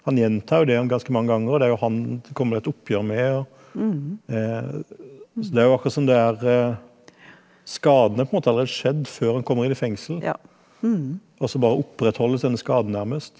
han gjentar jo det en ganske mange ganger og det er jo han det kommer det et oppgjør med og så det er jo akkurat som det er skaden er på en måte allerede skjedd før han kommer inn i fengsel, og så bare opprettholdes denne skaden nærmest.